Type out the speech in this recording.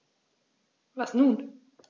Was nun?